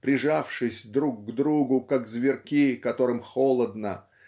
"прижавшись друг к другу как зверьки которым холодно